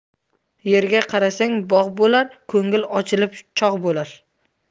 yerga qarasang bog' bo'lar ko'ngil ochilib chog' bo'lar